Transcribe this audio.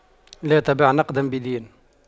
لا تبع نقداً بدين